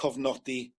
cofnodi